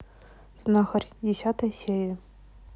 знахарь десятая серия